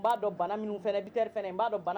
N b'a dɔn bana minnu fana biri fana n b'a dɔn bana